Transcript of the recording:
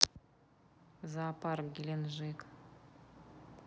зоопарк геленджик